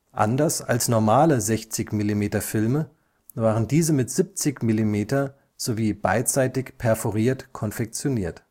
Anders als normale 60-mm-Filme waren diese mit 70 mm sowie beidseitig perforiert konfektioniert